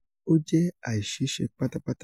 Ó jẹ́ àìṣeéṣe pátápátá.